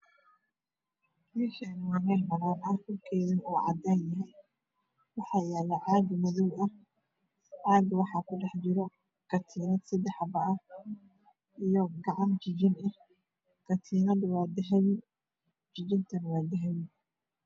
Meshani waa mel madow ahwaxaa yala cagmadow ah waxaa ku dhex jira sedax xabo katinad ah iyo jijin gacan ah katinada wa dahabii gacantana waa dahabi